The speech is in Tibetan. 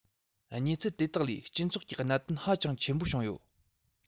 གནས ཚུལ དེ དག ལས སྤྱི ཚོགས ཀྱི གནད དོན ཧ ཅང ཆེན པོ བྱུང ཡོད